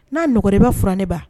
Na nɔgɔ la i ba furan ne ba.